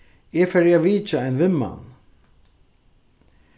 eg fari at vitja ein vinmann